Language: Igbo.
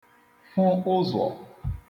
fụ ụzwọ